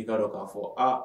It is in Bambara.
I'a dɔn k'a fɔ aa